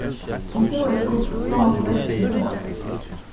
um tú ert gubbi so mást tú leggja eitt sindur meir